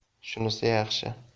shunisi yaxshi